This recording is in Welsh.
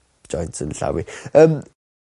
joints yn y llaw i yym.